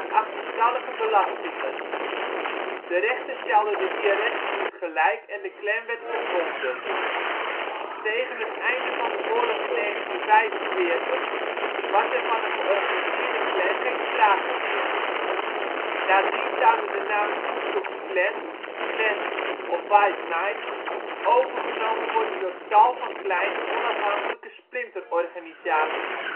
achterstallige belastingen. De rechter stelde de IRS in het gelijk en de Klan werd ontbonden. Tegen het einde van de oorlog in 1945 was er van een georganiseerde Klan geen sprake meer. Nadien zouden de namen ' Ku Klux Klan ',' Klan ' of ' White Knights ' overgenomen worden door tal van kleine onafhankelijke splinterorganisaties